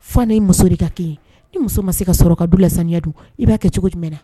Fa' ye muso de ka kɛ ye ni muso ma se ka sɔrɔ ka du laya don i b'a kɛ cogo jumɛn na